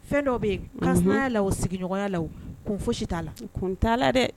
Fɛn dɔ bɛ yen kansinaya la o, sigiɲɔgɔnya la o, kun fo si t'a la , kun t'a la dɛ.